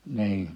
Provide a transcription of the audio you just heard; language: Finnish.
niin